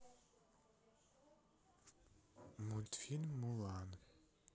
мультфильм мулан